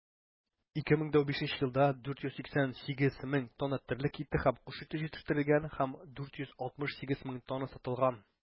2015 елда 488 мең тонна терлек ите һәм кош ите җитештерелгән һәм 468 мең тонна сатылган.